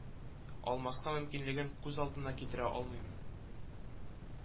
Алмаска мөмкинлеген күз алдына китерә алмыйм